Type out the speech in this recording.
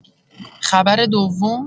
خبر دوم؟!